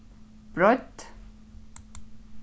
breidd